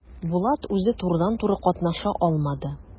Булат үзе турыдан-туры катнаша алмады.